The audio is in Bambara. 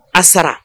A sara